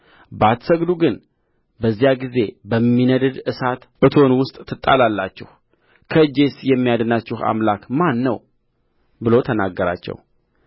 ባትሰግዱ ግን በዚያ ጊዜ በሚነድድ እሳት እቶን ውስጥ ትጣላላችሁ ከእጄስ የሚያድናችሁ አምላክ ማን ነው ብሎ ተናገራቸው